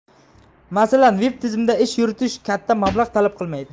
masalan veb tizimda ish yuritish katta mablag' talab qilmaydi